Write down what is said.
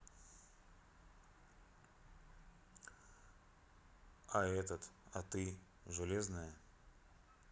а этот а ты железная